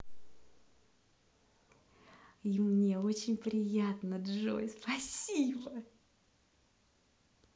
и мне очень приятно джой спасибо